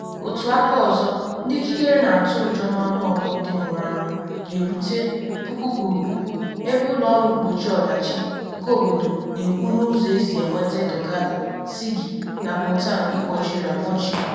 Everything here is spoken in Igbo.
Otu aka ọzọ, ndị ikikere na atụ ụjọ na ọnụọgụ ndị nwụrụ anwụ ga-erute puku kwụrụ puku ebe ụlọ ọrụ mgbochi ọdachi nke obodo na ekwu n’ụzọ esi enweta Donggala, Sigi na Boutong kpọchiri akpọchi.